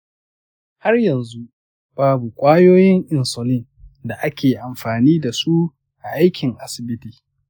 har yanzu babu kwayoyin insulin da ake amfani da su a aikin asibiti.